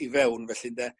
i fewn felly ynde